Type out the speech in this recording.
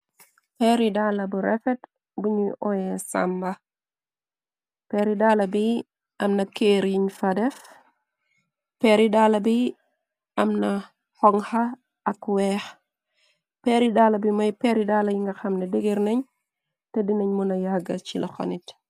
Peeri daala bu refet buñuy oye Sàmba peeri daala bi amna keryiñ fa def peeri daala bi am na xonxa ak weex peeri daala bi moy peeri daala yi nga xamne déger nen te di na muna yagga ci loxo niti.